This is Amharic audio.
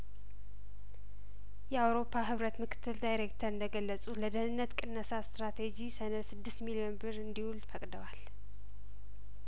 የአውሮፓ ህብረት ምክትል ዳይሬክተር እንደገለጹት ለደህንነት ቅነሳ ስትራቴጂ ሰነድ ስድስት ሚሊዮን ብር እንዲውል ፈቅደዋል